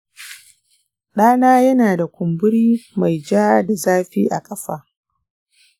ɗana yana da kumburi mai ja da zafi a ƙafa